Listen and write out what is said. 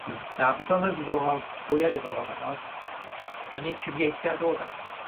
Ie. Na beth o'dd yn ddiddorol fwya diddorol fyn 'na o'dd, ma' nid cyfieithiad o'dd e,